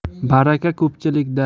baraka ko'pchilikda